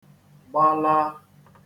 gbalā